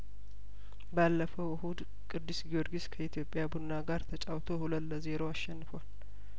ባለፈው እሁድ ቅዱስ ጊዮርጊስ ከኢትዮጵያ ቡና ጋር ተጫውቶ ሁለት ለዜሮ አሸንፏል